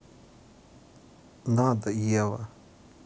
надо ева